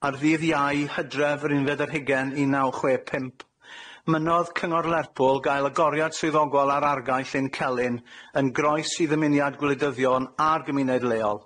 ar ddydd Iau, Hydref yr unfed ar hugen un naw chwe pump. Mynnodd Cyngor Lerpwl gael agoriad swyddogol ar argae Lyn Celyn, yn groes i ddymuniad gwleidyddion a'r gymuned leol.